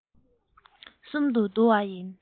གསུམ དུ འདུ བ ཡིན